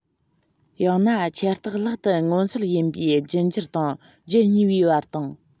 ཡང ན ཁྱད རྟགས ལྷག ཏུ མངོན གསལ ཡིན པའི རྒྱུད འགྱུར དང རྒྱུད གཉིས པའི བར དང